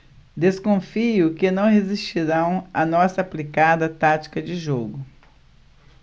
desconfio que não resistirão à nossa aplicada tática de jogo